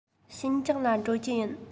ཤིན ཅང ལ འགྲོ རྒྱུ ཡིན